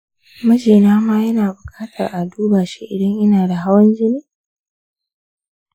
mijina ma yana bukatar a duba shi idan ina da hawan jini?